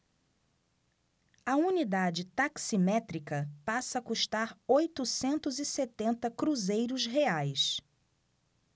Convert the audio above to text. a unidade taximétrica passa a custar oitocentos e setenta cruzeiros reais